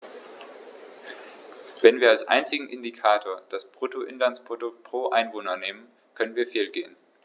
Wenn wir als einzigen Indikator das Bruttoinlandsprodukt pro Einwohner nehmen, können wir fehlgehen.